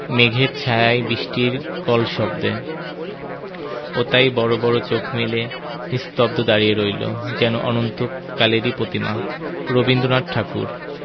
মেঘের ছায়ায় বৃষ্টির কলশব্দে ও তাই বড় বড় চোখ মেলে নিস্তব্ধ দাঁড়িয়ে রইল যেন অনন্তকালেরই প্রতিমা রনীন্দ্রনাথ ঠাকুর